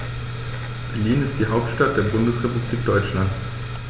Berlin ist die Hauptstadt der Bundesrepublik Deutschland.